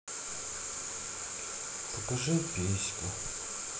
покажи письку